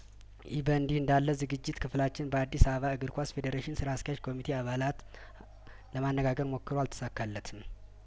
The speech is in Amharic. ይህ በእንዲህ እንዳ ለዝግጅት ክፍላችን በአዲስ አበባ እግር ኳስ ፌዴሬሽን ስራ አስኪያጅ ኮሚቴ አባላት ለማነጋገር ሞክሮ አልተሳካለትም